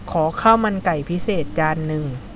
ขอข้าวมันไก่พิเศษจานนึง